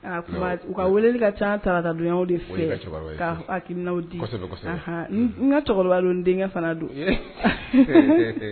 U ka wele ka ca ta de hakiina n ka cɛkɔrɔba don n denkɛ fana don